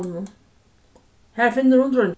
har finnur hon dreingin